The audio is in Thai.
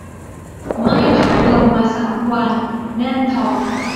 ไม่ผายลมมาสามวันแน่นท้อง